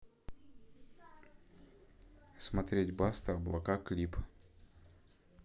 смотреть баста облака клип